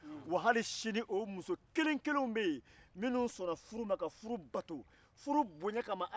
wa hali sinin o muso kelen kelenw de bɛ yen minnu sɔnna ka furu bato furu bonya kama